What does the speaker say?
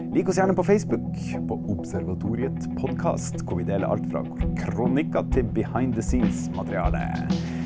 lik oss gjerne på Facebook, på Observatoriet podkast, hvor vi deler alt fra kronikker til materiale.